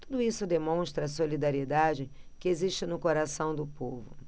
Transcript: tudo isso demonstra a solidariedade que existe no coração do povo